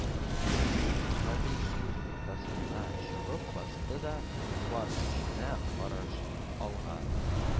Гали юл уртасына чыгып басты да, бар көченә карашын алга